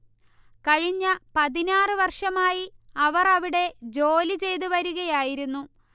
കഴിഞ്ഞ പതിനാറ് വർഷമായി അവർഅവിടെ ജോലി ചെയ്ത് വരുകയായിരുന്നു